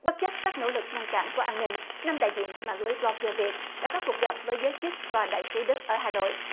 bất chấp các nỗ lực ngăn cản của an ninh năm đại diện của mạng lưới bờ lóc gơ việt đã có cuộc gặp với giới chức tòa đại sứ đức tại hà nội